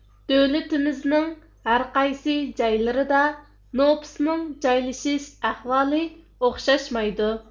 دۆلىتىمىزنىڭ ھەرقايسى جايلىرىدا نوپۇسنىڭ جايلىشىش ئەھۋالى ئوخشاشمايدۇ